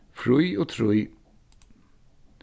frí og trý